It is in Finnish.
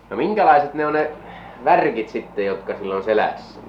no minkälaiset ne on ne värkit sitten jotka sillä on selässä